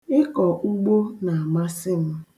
Ịkọ ugbo na-amasị m.